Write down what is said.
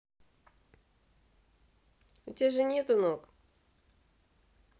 у тебя же нету ног